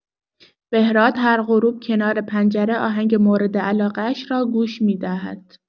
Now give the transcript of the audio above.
بهراد هر غروب کنار پنجره آهنگ مورد علاقه‌اش را گوش می‌دهد.